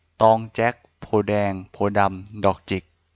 ตองแจ็คโพธิ์แดงโพธิ์ดำดอกจิก